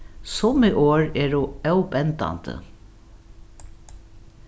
summi orð eru óbendandi